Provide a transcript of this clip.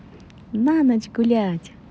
на ночь гулять